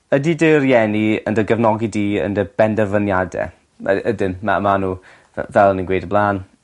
Ydi dy rieni yn dy gefnogi di yn dy benderfyniade? Ma- ydyn na ma' n'w f- fel o'n i'n gweud o bla'n.